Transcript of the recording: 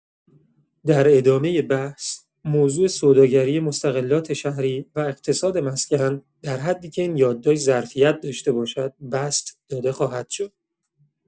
در ادامه بحث، موضوع سوداگری مستغلات شهری و اقتصاد مسکن در حدی که این یادداشت ظرفیت داشته باشد بسط داده خواهد شد.